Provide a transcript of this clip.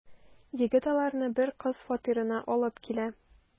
Егет аларны бер кыз фатирына алып килә.